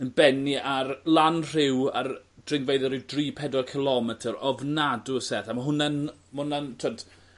Yn benni ar lan rhyw ar dringfeydd o ryw dri pedwar cilometyr ofnadw o serth. A ma' hwnna'n ma' wnna'n t'wod